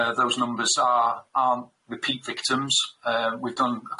yy those numbers are aren't repeat victims yy we've done